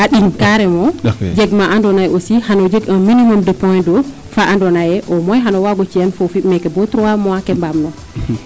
a ɗing carrement jeg maa ando naye aussi xano jeg au minimum de point d' eau faa ando naye au moins xano waago ciyel foofi meeke bo trois mois ke mbaam rof